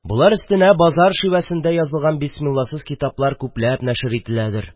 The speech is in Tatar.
Болар өстенә базар шивәсендә язылган бисмилласыз китаплар күпләп нәшер ителәдер